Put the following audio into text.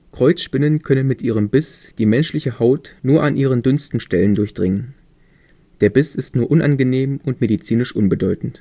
Kreuzspinnen können mit ihrem Biss die menschliche Haut nur an ihren dünnsten Stellen durchdringen. Der Biss ist nur unangenehm und medizinisch unbedeutend